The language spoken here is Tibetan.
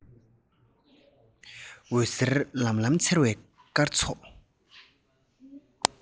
འོད ཟེར ལམ ལམ འཚེར བའི སྐར ཚོགས